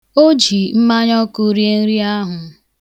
O ji mmanyaọkụ erie nri ahụ.